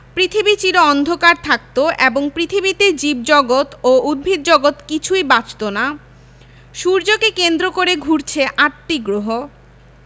পৃথিবী চির অন্ধকার থাকত এবং পৃথিবীতে জীবজগত ও উদ্ভিদজগৎ কিছুই বাঁচত না সূর্যকে কেন্দ্র করে ঘুরছে আটটি গ্রহ